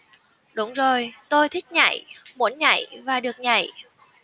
đúng rồi tôi thích nhảy muốn nhảy và được nhảy